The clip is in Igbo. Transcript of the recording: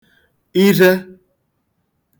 irhe